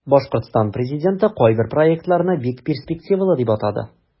Башкортстан президенты кайбер проектларны бик перспективалы дип атады.